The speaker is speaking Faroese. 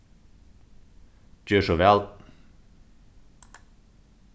ger so væl